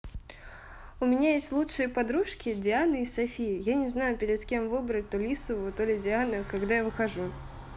у меня есть лучшие подружки диана и софи я не знаю перед кем выбирать то лисову то ли диана когда я выхожу